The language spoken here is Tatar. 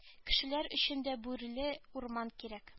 Кешеләр өчен дә бүреле урман кирәк